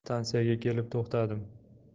stansiyaga kelib to'xtadim